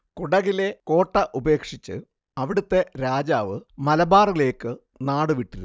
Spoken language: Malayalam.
കുടകിലെ കോട്ട ഉപേക്ഷിച്ച് അവിടത്തെ രാജാവ് മലബാറിലേക്ക് നാടുവിട്ടിരുന്നു